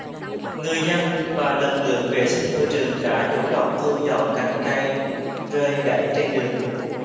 người dân và lực lượng vệ sinh môi trường đã chủ động thu dọn cành cây rơi gãy trên đường